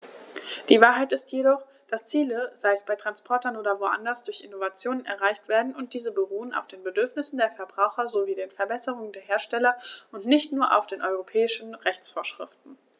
Die Wahrheit ist jedoch, dass Ziele, sei es bei Transportern oder woanders, durch Innovationen erreicht werden, und diese beruhen auf den Bedürfnissen der Verbraucher sowie den Verbesserungen der Hersteller und nicht nur auf europäischen Rechtsvorschriften.